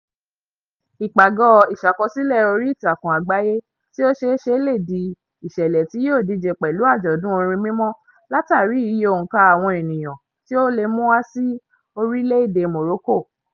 Ìpàgọ́ Ìṣàkọsílẹ̀ orí Ìtàkùn Àgbáyé tí ó ṣeéṣe lè di ìṣẹ̀lẹ̀ tí yóò díje pẹ̀lú Àjọ̀dún Orin Mímọ́ látàrí iye òǹkà àwọn ènìyàn tí ó le mú wá sí orílẹ̀ èdè Morocco.